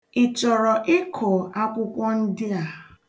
Ị chọrọ ịkụ akwụkwọ ndị a?